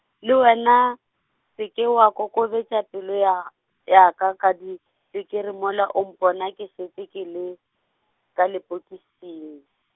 le wena, se ke wa kokobetša pelo ya, ya ka ka dipikiri mola o mpona ke šetše ke le, ka lepokising.